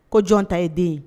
Ko jɔn ta ye den ye?